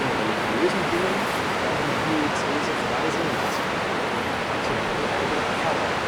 religiösen Dingen war die Diözese Freising maßgebend, zu der die Aubinger Pfarrei